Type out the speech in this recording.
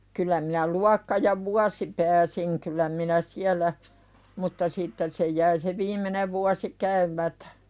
kyllä minä luokka ja vuosi pääsin kyllä minä siellä mutta sitten se jäi se viimeinen vuosi käymättä